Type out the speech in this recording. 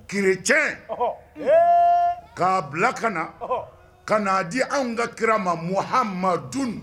Kirec k'a bila ka na ka na'a di anw ka kira ma muha mad